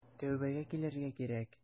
Тәүбәгә килергә кирәк.